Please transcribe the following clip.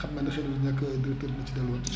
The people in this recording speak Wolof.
xam naa lu si nekk directeur dina si delluwaat insaa àllaa